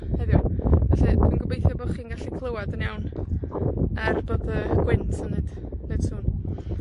...heddiw, fell, dwi'n gobeithio bo' chi'n gallu clywad yn iawn. Er bod y gwynt yn neud, neud sŵn.